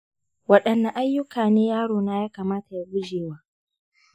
wadanne ayyuka ne yaro na ya kamata ya guje wa?